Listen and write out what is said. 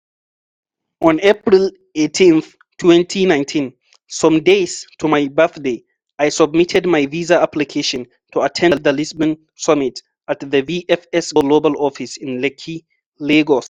On April 18, 2019, some days to my birthday, I submitted my visa application to attend the Lisbon summit at the VFS Global office in Lekki, Lagos.